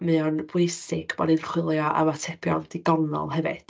Mae o'n bwysig bod ni'n chwilio am atebion digonol hefyd.